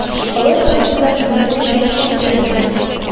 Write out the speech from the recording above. Алар арасында киң генә ярыклар шәйләнә.